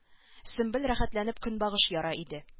Сөмбел рәхәтләнеп көнбагыш яра иде